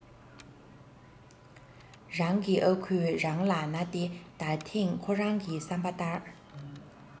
རང གི ཨ ཁུས རང ལ ན ཏེ ད ཐེངས ཁོ རང གི བསམ པ ལྟར